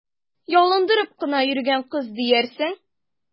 Ялындырып кына йөргән кыз диярсең!